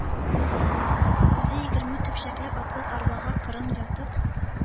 Үзе егерме көпчәкле атсыз арбага кырын ятып,